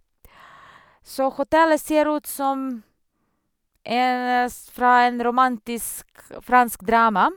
Så hotellet ser ut som en es fra en romantisk, fransk drama.